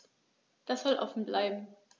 Das soll offen bleiben.